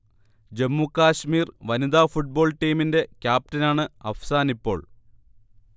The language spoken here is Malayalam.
ജമ്മു കശ്മീർ വനിതാ ഫുട്ബോൾ ടീമിന്റെ ക്യാപ്റ്റനാണ് അഫ്സാനിപ്പോൾ